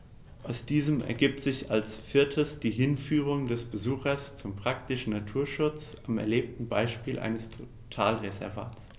Aus diesen ergibt sich als viertes die Hinführung des Besuchers zum praktischen Naturschutz am erlebten Beispiel eines Totalreservats.